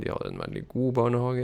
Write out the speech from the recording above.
De har en veldig god barnehage.